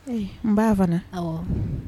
Ee, Mba fana, awɔ.